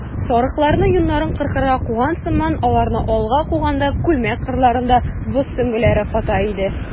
Сарыкларны йоннарын кыркырга куган сыман аларны алга куганда, күлмәк кырларында боз сөңгеләре ката иде.